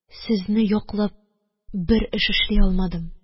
Сезне яклап бер эш эшли алмадым.